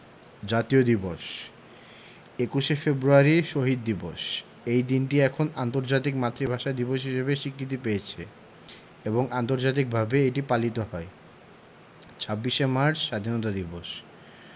জাতীয় দিবসঃ ২১শে ফেব্রুয়ারি শহীদ দিবস এই দিনটি এখন আন্তর্জাতিক মাতৃভাষা দিবস হিসেবে স্বীকৃতি পেয়েছে এবং আন্তর্জাতিকভাবে এটি পালিত হয় ২৬শে মার্চ স্বাধীনতা দিবস